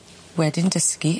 Wedyn dysgu.